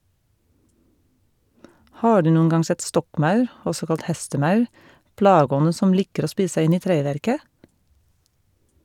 Har du noen gang sett stokkmaur , også kalt hestemaur, plageånden som liker å spise seg inn i treverket?